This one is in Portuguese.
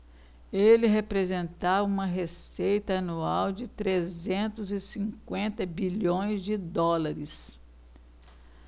ele representava uma receita anual de trezentos e cinquenta milhões de dólares